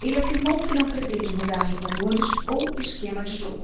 ele afirmou que não pretende mudar jogadores ou esquema de jogo